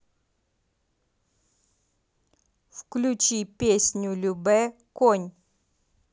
включи песню любэ конь